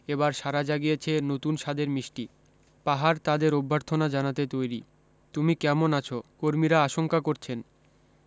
এবার সাড়া জাগিয়েছে নতুন স্বাদের মিষ্টি পাহাড় তাদের অভ্যর্থনা জানাতে তৈরী তুমি ক্যামন আছো কর্মীরা আশঙ্কা করছেন